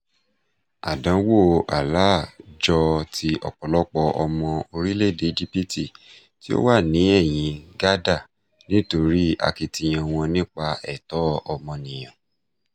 Àdánwòo Alaa jọ ti ọ̀pọ̀lọpọ̀ ọmọ orílẹ̀-èdè Íjípìtì tí ó wà ní ẹ̀yin gádà nítorí akitiyan wọn nípa ẹ̀tọ́ ọmọnìyàn.